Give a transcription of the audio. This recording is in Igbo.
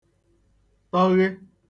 toghe